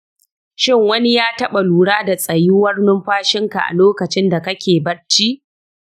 shin wani ya taɓa lura da tsayuwar numfashin ka a lokacin da kake barci?